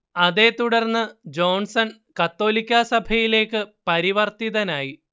അതേത്തുടർന്ന് Johnson കത്തോലിക്കാസഭയിലെക്ക് പരിവർത്തിതനായി